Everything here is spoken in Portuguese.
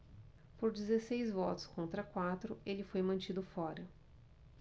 por dezesseis votos contra quatro ele foi mantido fora